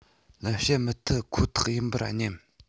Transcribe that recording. ལེན བྱེད མི ཐུབ ཁོ ཐག ཡིན པར སྙམ